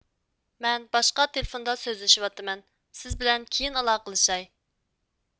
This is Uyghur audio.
مەن باشقا تېلېفوندا سۆزلىشىۋاتىمەن سىز بىلەن كېيىن ئالاقىلىشاي